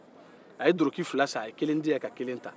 a ye duloki fila san ka kelen di yan ka kelen ta